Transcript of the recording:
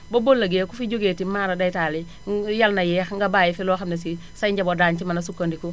ba bu ëllëgee ku fi jógeeti maaradaytaali Yàlla na yéex nga bàyyi fi loo xam ne si say njaboot daañu ci mën a sukandiku